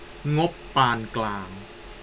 งบปานกลาง